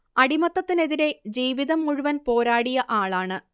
അടിമത്തത്തിനെതിരെ ജീവിതം മുഴുവൻ പോരാടിയ ആളാണ്